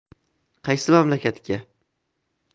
qaysi mamlakatga